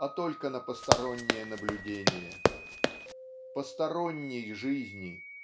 а только на постороннее наблюдение. Посторонний жизни